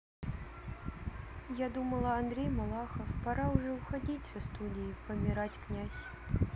я думала андрей малахов пора уже уходить со студией помирать князь